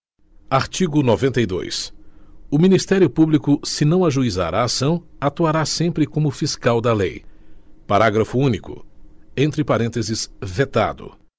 artigo noventa e dois o ministério público se não ajuizar a ação atuará sempre como fiscal da lei parágrafo único entre parênteses vetado